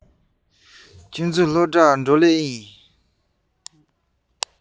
ཁྱེད ཚོ སློབ གྲྭར འགྲོ མཁན ཡིན པས